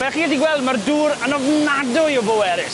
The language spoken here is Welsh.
Fel chi allu gweld ma'r dŵr yn ofnadwy o bwerus.